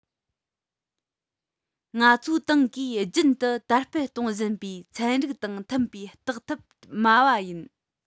ང ཚོའི ཏང གིས རྒྱུན དུ དར སྤེལ གཏོང བཞིན པའི ཚན རིག དང མཐུན པའི བརྟག ཐབས སྨྲ བ ཡིན